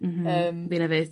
Mhm... Yym. ...finna 'fyd.